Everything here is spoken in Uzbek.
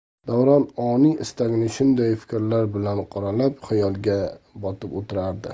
davron oniy istagini shunday fikrlar bilan qoralab xayolga botib o'tirardi